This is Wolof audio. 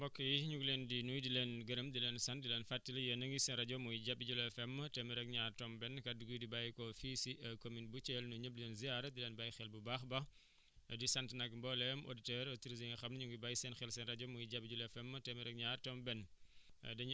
mbokk yi ñu ngi leen di nuyu di leen gërëm di leen sant di leen fàttali yéen a ngi seen rajo muy Jabi Jula FM téeméer ak ñaar tomb benn kaddu gi di bçyyeekoo fii si commune bu Thièl nuyu ñëpp di leen ziara di leen bàyyi xel bu baax a baax di sant nag mboolem auditeurs auditrices ñi nga xam ne ñu ngi bàyyi see xel seen rajo muy Jabi Jula FM téeméer ak ñaar tomb benn